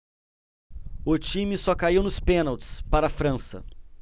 o time só caiu nos pênaltis para a frança